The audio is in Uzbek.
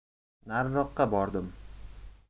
nariroqqa bordim